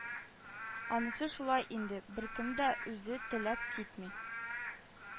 – анысы шулай инде, беркем дә үзе теләп китми